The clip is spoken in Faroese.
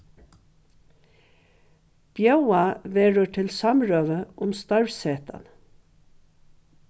bjóðað verður til samrøðu um starvssetan